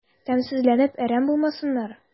Тәмсезләнеп әрәм булмасыннар...